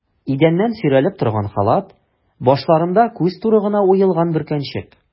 Идәннән сөйрәлеп торган халат, башларында күз туры гына уелган бөркәнчек.